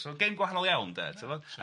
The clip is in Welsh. So o'n gêm gwahanol iawn de tibod,